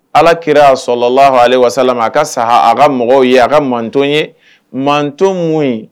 Alaki a sɔrɔla la hale walasasa a ka saaa a ka mɔgɔw ye a ka ma ye mato mun ye